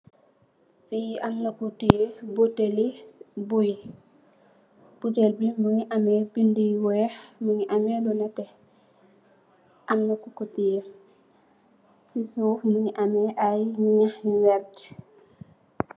Fi am na ku teyeh butèèlli búy, butèèl bi mugii ameh bindi yu wèèx mugii ameh lu netteh am na kuko teyeh ci suuf mugii ameh ay ñax yu werta.